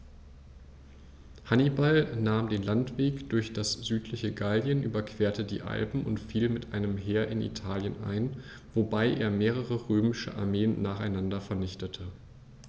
Hannibal nahm den Landweg durch das südliche Gallien, überquerte die Alpen und fiel mit einem Heer in Italien ein, wobei er mehrere römische Armeen nacheinander vernichtete.